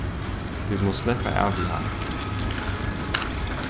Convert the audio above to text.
vit mugu sleppa av við hann